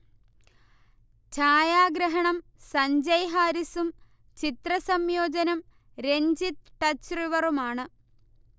ഛായാഗ്രഹണം സഞ്ജയ് ഹാരിസും ചിത്രസംയോജനം രഞ്ജിത്ത് ടച്ച്റിവറുമാണ്